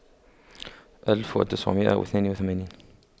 ألف وتسعمئة واثنين وثمانين